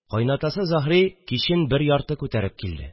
Каенатасы Заһри кичен бер ярты күтәреп килде